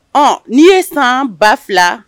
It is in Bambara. Ɔ n'i ye san ba fila